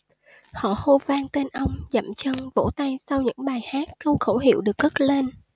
họ hô vang tên ông giậm chân vỗ tay sau những bài hát câu khẩu hiệu được cất lên